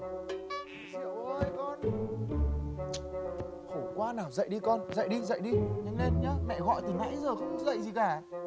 diệu ơi con khổ quá nào dậy đi con dậy đi dậy đi nhanh lên nhớ mẹ gọi từ nãy giờ không dậy gì cả